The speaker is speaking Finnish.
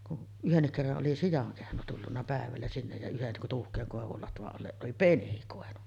kun yhdenkin kerran oli sian kehno tullut päivällä sinne ja yhden tuuhean koivun latvan alle oli penikoinut